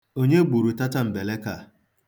Onye gburu tatambeleke a?